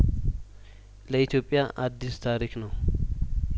ለኢትዮጵያ አዲስ ታሪክ ነው